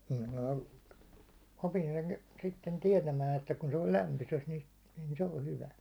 niin minä opin sen sitten tietämään että kun se on lämpöisessä - niin se on hyvä